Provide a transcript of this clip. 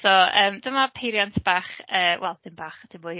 So yym dyma peiriant bach yy wel, ddim bach, dim mwy.